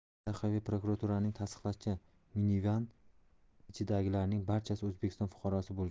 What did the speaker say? mintaqaviy prokuraturaning tasdiqlashicha miniven ichidagilarning barchasi o'zbekiston fuqarosi bo'lgan